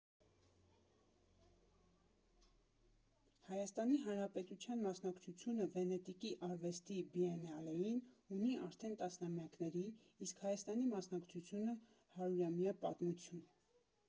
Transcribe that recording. Հայաստանի Հանրապետության մասնակցությունը Վենետիկի արվեստի բիենալեին ունի արդեն տասնամյակների, իսկ Հայաստանի մասնակցությունը՝ հարյուրամյա պատմություն։